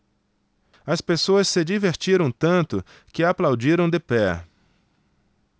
as pessoas se divertiram tanto que aplaudiram de pé